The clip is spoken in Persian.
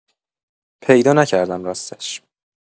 پیدا نکردم راستش